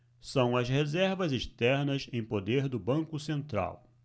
são as reservas externas em poder do banco central